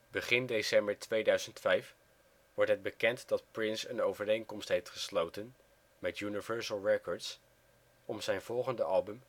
Begin december 2005 wordt het bekend dat Prince een overeenkomst heeft gesloten met Universal Records om zijn volgende album